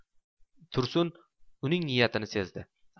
tursun uning niyatini sezdi